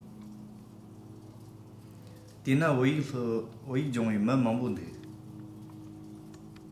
དེས ན བོད ཡིག སློབ བོད ཡིག སྦྱོང བའི མི མང པོ འདུག